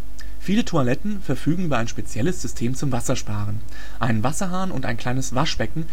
Toiletten verfügen über ein spezielles System zum Wassersparen: Ein Wasserhahn und ein kleines Waschbecken